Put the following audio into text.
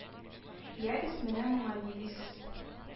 Ягез менә моңа ни дисез